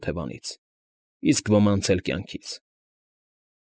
Օթևանից, իսկ ոմանց էլ կյանքից։